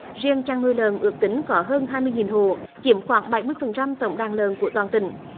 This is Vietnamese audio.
riêng chăn nuôi lợn ước tính có hơn hai mươi nghìn hộ chiếm khoảng bảy mươi phần trăm tổng đàn lợn của toàn tỉnh